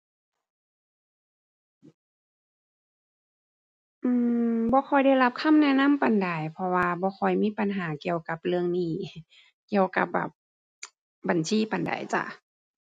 อือ บ่ค่อยได้รับคำแนะนำปานใด เพราะว่าบ่ค่อยมีปัญหาเกี่ยวกับเรื่องนี้ เกี่ยวกับแบบบัญชีปานใดจ้ะ